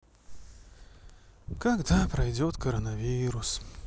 когда пройдет коронавирус